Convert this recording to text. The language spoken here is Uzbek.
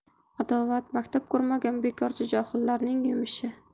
adovat maktab ko'rmagan bekorchi johillarning yumushi